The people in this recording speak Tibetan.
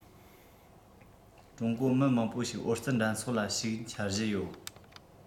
ཀྲུང གོ མི མང པོ ཞིག ཨོ རྩལ འགྲན ཚོགས ལ ཞུགས འཆར གཞི ཡོད